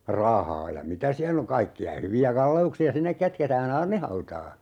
rahaa ja mitä siellä on kaikkia hyviä kalleuksia sinne kätketään aarnihautaan